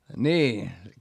niin